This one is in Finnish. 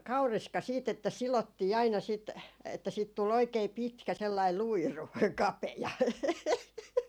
kauriska sitten että sidottiin aina sitten että siitä tuli oikein pitkä sellainen luiru kapea